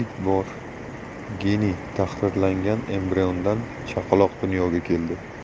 tahrirlangan embriondan chaqaloq dunyoga keldi